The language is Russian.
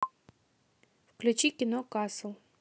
включи кино касл